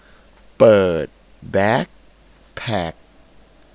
เปิดแบคแพ็ค